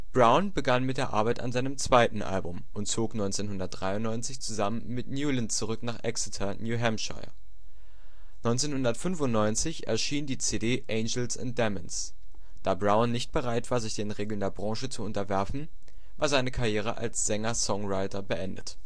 Brown begann mit der Arbeit an seinem zweiten Album und zog 1993 zusammen mit Newlon zurück nach Exeter, New Hampshire. 1995 erschien die CD Angels & Demons. Da Brown nicht bereit war, sich den Regeln der Branche zu unterwerfen, war seine Karriere als Sänger-Songwriter beendet